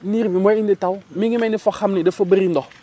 niir bi mooy indi taw mi ngi mel ni foo xam ne dafa bëri ndox